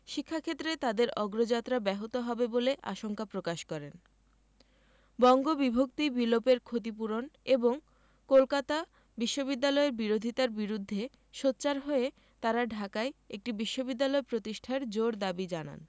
শিক্ষাক্ষেত্রে তাদের অগ্রযাত্রা ব্যাহত হবে বলে আশঙ্কা প্রকাশ করেন বঙ্গবিভক্তি বিলোপের ক্ষতিপূরণ এবং কলকাতা বিশ্ববিদ্যালয়ের বিরোধিতার বিরুদ্ধে সোচ্চার হয়ে তারা ঢাকায় একটি বিশ্ববিদ্যালয় প্রতিষ্ঠার জোর দাবি জানান